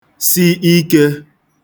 si ikē